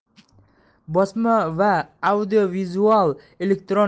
bosma va audiovizual elektron ommaviy